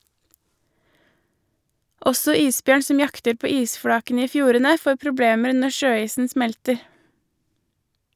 Også isbjørn som jakter på isflakene i fjordene får problemer når sjøisen smelter.